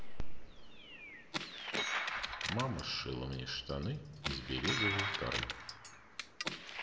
мама сшила мне штаны из березовой коры